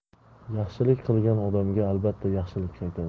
yaxshilik qilgan odamga albatta yaxshilik qaytadi